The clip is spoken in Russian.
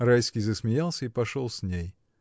Райский засмеялся и пошел с ней.